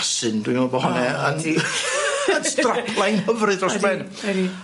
asyn dwi'n me'wl bo' honna yn un strapline hyfryd dros ben. Ydi. Ydi.